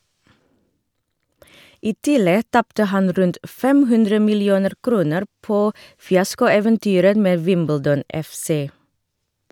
I tillegg tapte han rundt 500 millioner kroner på fiaskoeventyret med Wimbledon FC.